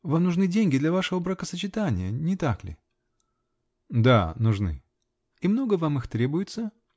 Вам нужны деньги для вашего бракосочетания? Не так ли? -- Да, нужны. -- И много вам их требуется?